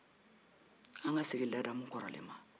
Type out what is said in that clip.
an ka segin ladamu kɔrɔlen ma